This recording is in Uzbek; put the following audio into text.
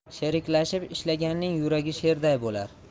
sheriklashib ishlaganning yuragi sherday bo'lar